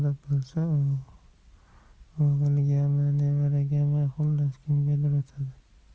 nevaragami xullas kimgadir o'tadi